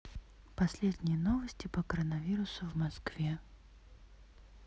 последние новости по коронавирусу в москве